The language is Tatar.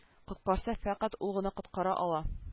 Коткарса фәкать ул гына коткара ала